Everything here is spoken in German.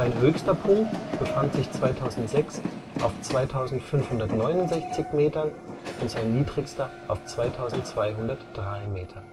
höchster Punkt befand sich 2006 auf 2569 und sein niedrigster auf 2203 m